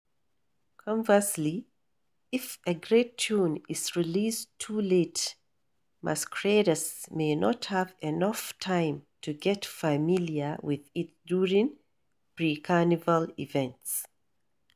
Conversely, if a great tune is released too late, masqueraders may not have enough time to get familiar with it during pre-Carnival events.